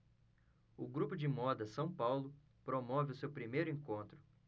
o grupo de moda são paulo promove o seu primeiro encontro